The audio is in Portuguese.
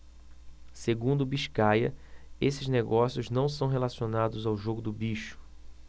segundo biscaia esses negócios não são relacionados ao jogo do bicho